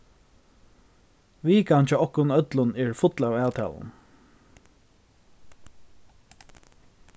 vikan hjá okkum øllum er full av avtalum